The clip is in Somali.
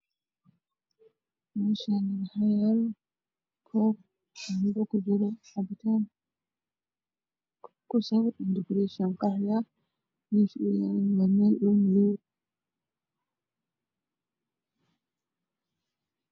Meeshaani waxaa yaalo koob shaanbo ku jiro cabitaan ku sawiran dubriisha qaxwi meesha uu yaalana waa meel madow